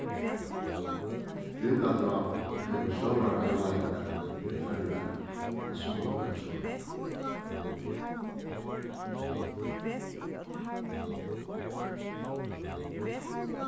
grindadráp hevur stórar avleiðingar fyri føroyar á summum økjum